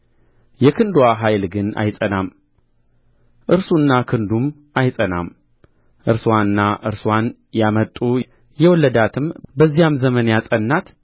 የክንድዋ ኃይል ግን አይጸናም እርሱና ክንዱም አይጸናም እርስዋና እርስዋን ያመጡ የወለዳትም በዚያም ዘመን ያጸናት